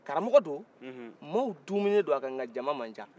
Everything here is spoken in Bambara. karamɔkɔ don mɔgɔw doumɛn don a ka nka jama manca